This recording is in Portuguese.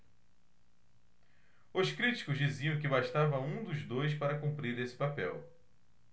os críticos diziam que bastava um dos dois para cumprir esse papel